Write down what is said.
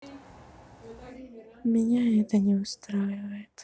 меня это не устраивает